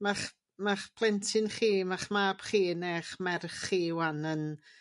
ma'ch ma'ch plentyn chi ma'ch mab chi ne'ch merch chi 'wan yn